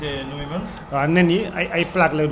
nen yi boo ko gisee nu muy mel